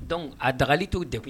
Dɔnku a dagali t'o de